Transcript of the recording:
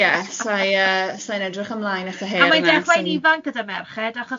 Ie, sa i yy sa i'n edrych ymlaen at y her yna... A mae'n dechrau'n ifanc gyda merched,